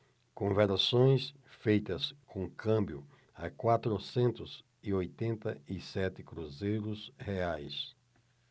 conversões feitas com câmbio a quatrocentos e oitenta e sete cruzeiros reais